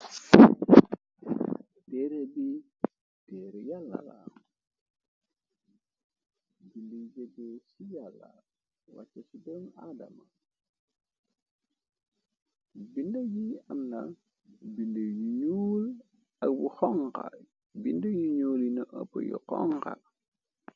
B yàab jg cyàla wcc ci adambndyiamna bnlakxbind yu ñuolina ëpp yu xonga.